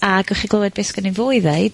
a gewch chi glywed be sgene fo i ddeud